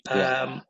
yym